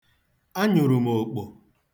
Anyụrụ m okpo.